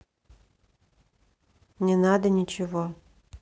не надо ничего